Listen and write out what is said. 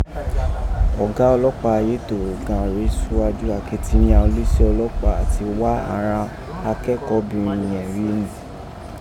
Ọga ọlọpaa Ayetoro gan an rèé súwájú akitiyan uleeṣẹ ọlọpaa ati wa àghan akẹkọnbinrẹn yẹ̀n rii rin.